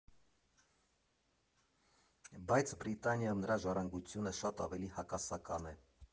Բայց Բրիտանիայում նրա ժառանգությունը շատ ավելի հակասական է։